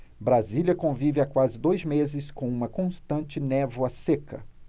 brasília convive há quase dois meses com uma constante névoa seca